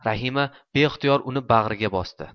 rahima beixtiyor uni bag'riga bosdi